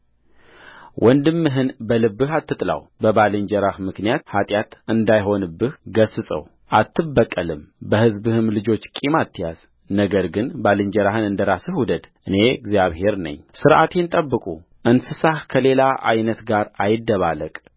ወንድምህን በልብህ አትጥላው በባልንጀራህ ምክንያት ኃጢአት እንዳይሆንብህ ገሥጸውአትበቀልም በሕዝብህም ልጆች ቂም አትያዝ ነገር ግን ባልንጀራህን እንደ ራስህ ውደድ እኔ እግዚአብሔር ነኝሥርዓቴን ጠብቁ እንስሳህ ከሌላ ዓይነት ጋር አይደባለቅ